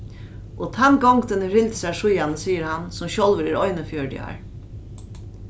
og tann gongdin hevur hildið sær síðani sigur hann sum sjálvur er einogfjøruti ár